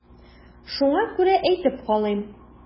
Шуңа күрә әйтеп калыйм.